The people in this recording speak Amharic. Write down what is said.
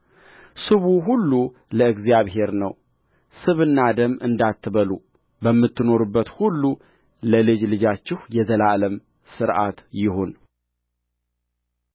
ስቡ ሁሉ ለእግዚአብሔር ነውስብና ደም እንዳትበሉ በምትኖሩበት ሁሉ ለልጅ ልጃችሁ የዘላለም ሥርዓት ነው